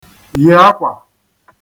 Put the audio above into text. yi ākwā